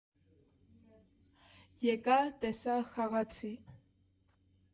ԵԿԱ ՏԵՍԱ ԽԱՂԱՑԻ։